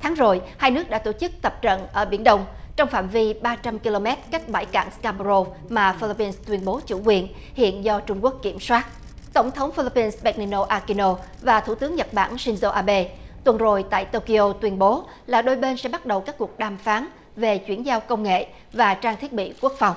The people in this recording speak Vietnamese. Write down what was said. tháng rồi hai nước đã tổ chức tập trận ở biển đông trong phạm vi ba trăm ki lô mét cách bãi cạn cam rô mà phi líp pin tuyên bố chủ quyền hiện do trung quốc kiểm soát tổng thống phi líp pin be ni nô a ki nô và thủ tướng nhật bản sin dô a bê tuần rồi tại tô ki ô tuyên bố là đôi bên sẽ bắt đầu các cuộc đàm phán về chuyển giao công nghệ và trang thiết bị quốc phòng